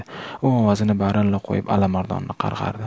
u ovozini baralla qo'yib alimardonni qarg'ardi